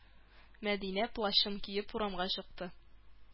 Мәдинә плащын киеп урамга чыкты.